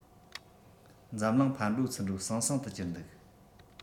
འཛམ གླིང ཕར འགྲོ ཚུར འགྲོ ཟང ཟིང དུ གྱུར འདུག